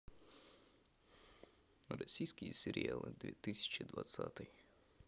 российские сериалы две тысячи двадцатый